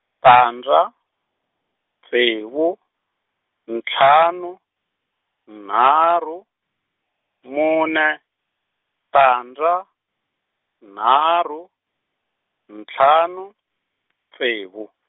tandza, ntsevu, ntlhanu, nharhu, mune, tandza, nharhu, ntlhanu, ntsevu.